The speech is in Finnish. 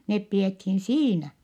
ne pidettiin siinä